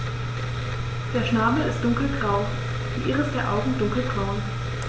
Der Schnabel ist dunkelgrau, die Iris der Augen dunkelbraun.